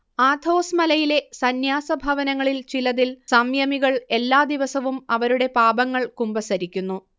Athos മലയിലെ സന്യാസഭവനങ്ങളിൽ ചിലതിൽ സംയമികൾ എല്ലാ ദിവസവും അവരുടെ പാപങ്ങൾ കുമ്പസരിക്കുന്നു